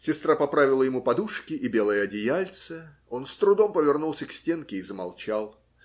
Сестра поправила ему подушки и белое одеяльце, он с трудом повернулся к стенке и замолчал.